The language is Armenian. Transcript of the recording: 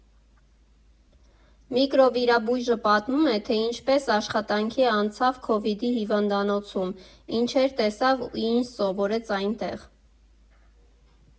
Միկրովիրաբույժը պատմում է, թե ինչպես աշխատանքի անցավ «քովիդի հիվանդանոցում», ինչեր տեսավ ու ինչ սովորեց այնտեղ։